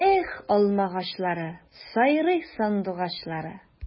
Эх, алмагачлары, сайрый сандугачлары!